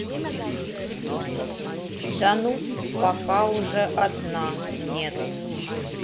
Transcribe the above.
да ну пока уже одна нет